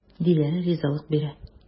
Диләрә ризалык бирә.